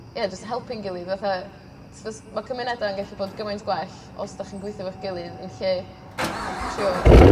Ie jyst helpu'n gilydd fath jys ma' cymuneda yn gallu bod gymaint gwell os 'dach chi'n gweithio efo'ch gilydd yn lle trio